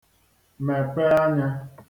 mèpe anya